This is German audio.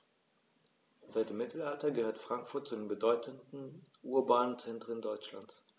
Seit dem Mittelalter gehört Frankfurt zu den bedeutenden urbanen Zentren Deutschlands.